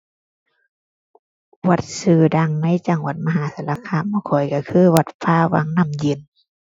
วัดชื่อดังในจังหวัดมหาสารคามของข้อยชื่อคือ วัดป่าวังน้ำเย็น